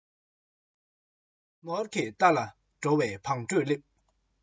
སྔོན སྔོན སྔོན ལ སྤྲང པོའི ལམ ཏུ སྐུར